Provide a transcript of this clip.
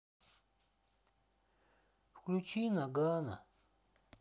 включи ноганно